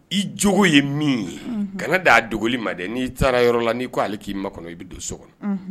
I j ye min ye kana d'a dogoli ma dɛ n'i taara yɔrɔ la n'i ko ale k'i kɔnɔ i bɛ don so kɔnɔ